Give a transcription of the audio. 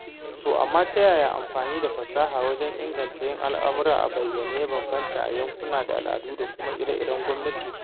To amma ta yaya amfani da fasaha wajen inganta yin al'amura a bayyane ya bambanta a yankuna da al'adu da kuma ire-iren gwamnati?